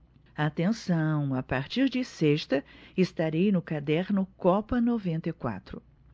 atenção a partir de sexta estarei no caderno copa noventa e quatro